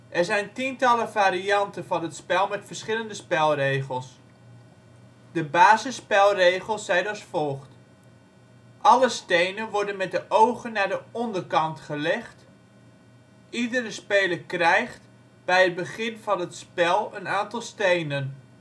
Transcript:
zijn tientallen varianten van het spel met verschillende spelregels. De basisspelregels zijn als volgt: Alle stenen worden met de ogen naar de onderkant gelegd (de boneyard). Iedere speler krijgt (koopt) bij het begin van het spel een aantal stenen